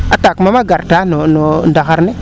attaque nama gar taa no ndaxar ne